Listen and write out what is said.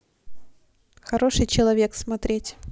хороший человек смотреть